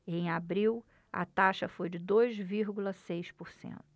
em abril a taxa foi de dois vírgula seis por cento